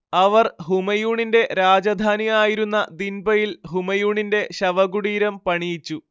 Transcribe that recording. അവർ ഹുമയൂണിന്റെ രാജധാനിയായിരുന്ന ദിൻപയിൽ ഹുമയൂണിന്റെ ശവകുടീരം പണിയിച്ചു